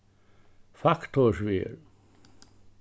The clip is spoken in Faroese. faktorsvegur